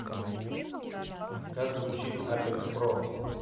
как звучит apex pro